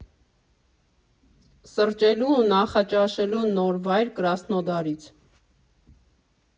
Սրճելու ու նախաճաշելու նոր վայր՝ Կրասնոդարից։